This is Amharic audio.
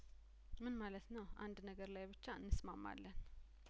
ምን ማለት ነው አንድ ነገር ላይብቻ እንስማ ማለን